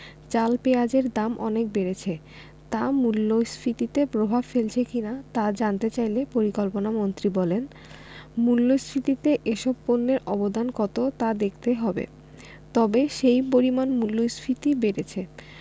চাল পেঁয়াজের দাম অনেক বেড়েছে তা মূল্যস্ফীতিতে প্রভাব ফেলছে কি না তা জানতে চাইলে পরিকল্পনামন্ত্রী বলেন মূল্যস্ফীতিতে এসব পণ্যের অবদান কত তা দেখতে হবে তবে সেই পরিমাণ মূল্যস্ফীতি বেড়েছে